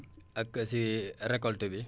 ak si récolte bi